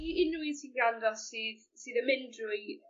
I unryw un sy ganddo sydd sydd yn mynd drwy